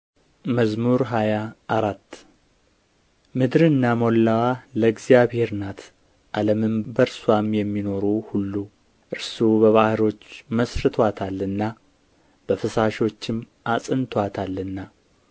መዝሙር ሃያ አራት ምድርና ሞላዋ ለእግዚአብሔር ናት ዓለምም በእርስዋም የሚኖሩ ሁሉ እርሱ በባሕሮች መሥርቶአታልና በፈሳሾችም አጽንቶአታልና